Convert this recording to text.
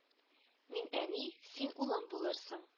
Мин әни, син улым булырсың